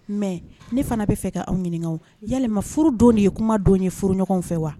Mɛ ne fana bɛ fɛ kaaw ɲini ya furu don nin ye kumadon ye furu ɲɔgɔn fɛ wa